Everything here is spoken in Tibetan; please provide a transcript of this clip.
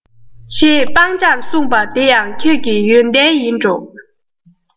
ཞེས སྤང བྱར གསུངས པ དེ ཡང ཁྱོད ཀྱི ཡོན ཏན ཡིན འགྲོ